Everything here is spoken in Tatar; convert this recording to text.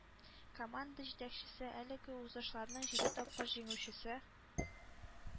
Команда җитәкчесе, әлеге узышларның җиде тапкыр җиңүчесе